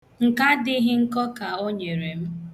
Nke adịghị nkọ ka o nyere m.